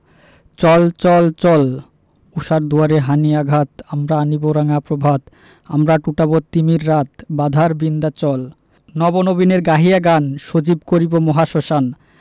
চল চল চল ঊষার দুয়ারে হানি' আঘাত আমরা আনিব রাঙা প্রভাত আমরা টুটাব তিমির রাত বাধার বিন্ধ্যাচল নব নবীনের গাহিয়া গান সজীব করিব মহাশ্মশান